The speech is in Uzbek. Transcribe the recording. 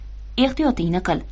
ehtiyotingni qil